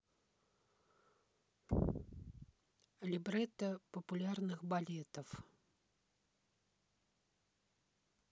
либретто популярных балетов